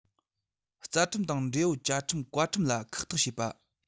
རྩ ཁྲིམས དང འབྲེལ ཡོད བཅའ ཁྲིམས བཀའ ཁྲིམས ལ ཁག ཐེག བྱེད པ